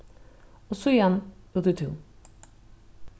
og síðani út í tún